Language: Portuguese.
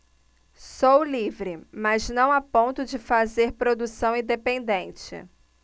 sou livre mas não a ponto de fazer produção independente